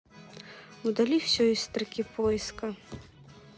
удали все из строки поиска